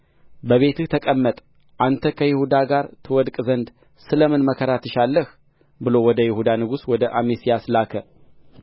በቤትህ ተቀመጥ አንተ ከይሁዳ ጋር ትወድቅ ዘንድ ስለ ምን መከራ ትሻላህ ብሎ ወደ ይሁዳ ንጉሥ ወደ አሜስያስ ላከ